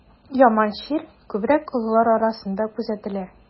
Яман чир күбрәк олылар арасында күзәтелә.